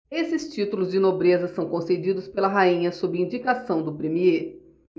esses títulos de nobreza são concedidos pela rainha sob indicação do premiê